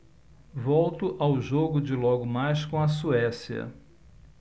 volto ao jogo de logo mais com a suécia